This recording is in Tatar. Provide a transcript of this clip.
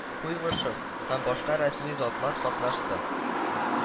Куйвашев һәм башка рәсми затлар катнашты